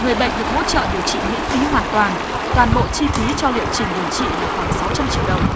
người bệnh được hỗ trợ điều trị miễn phí hoàn toàn toàn bộ chi phí cho liệu trình điều trị là khoảng sáu trăm triệu đồng